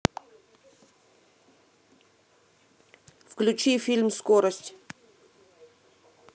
включи фильм скорость